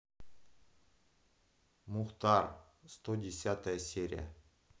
мухтар сто десятая серия